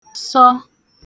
sọ